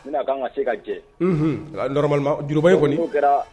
Ne a kaan ŋa se ka jɛ unhun a normalement juraba in kɔni n'o n'o kɛraa